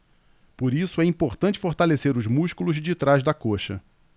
por isso é importante fortalecer os músculos de trás da coxa